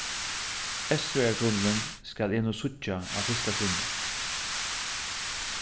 eysturoyartunnilin skal eg nú síggja á fyrsta sinni